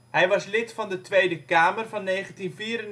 Hij was lid van de Tweede Kamer (1994-2003